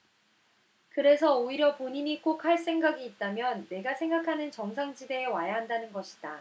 그래서 오히려 본인이 꼭 할 생각이 있다면 내가 생각하는 정상지대에 와야 한다는 것이다